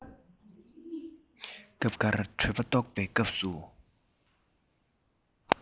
སྐབས འགར གྲོད པ ལྟོགས པའི སྐབས སུ